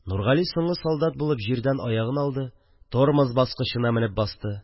Нургали соңгы солдат булып җирдән аягын алды, тормоз баскычына менеп басты